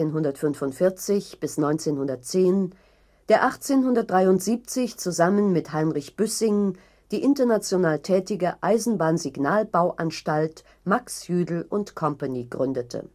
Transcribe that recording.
1845 – 1910), der 1873 zusammen mit Heinrich Büssing die international tätige Eisenbahnsignal-Bauanstalt Max Jüdel & Co gründete